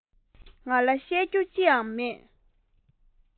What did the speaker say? ང ལ བཤད རྒྱུ ཅི ཡང མེད